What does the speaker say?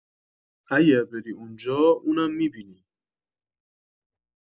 اگر بری اونجا اونم می‌بینی